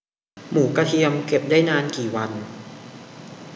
หมูกระเทียมเก็บได้นานกี่วัน